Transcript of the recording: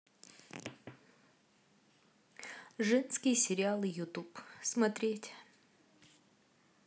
женские сериалы ютуб смотреть